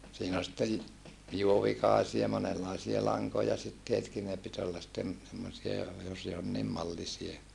siinä oli sitten juovikaisia monenlaisia lankoja siteetkin ne piti olla sitten semmoisia jos jonkin mallisia